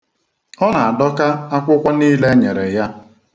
Ọ na-adọka akwụkwọ niile e nyere ya.